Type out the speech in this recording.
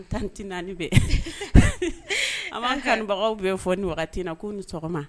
Tan naani an b'a kanbagaw bɛ fɔ ni wagati na ko ni sɔgɔma